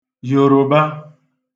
Yòròba